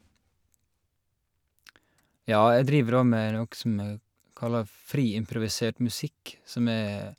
Ja, jeg driver da med noe som vi kaller fri improvisert musikk, som er...